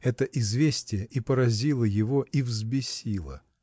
Это известие и поразило его и взбесило.